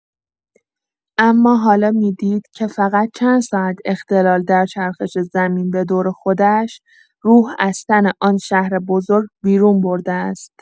اما حالا می‌دید که فقط چند ساعت اختلال در چرخش زمین به دور خودش، روح از تن آن شهر بزرگ بیرون برده است.